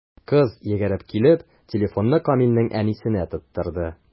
Кыз, йөгереп килеп, телефонны Камилнең әнисенә тоттырды.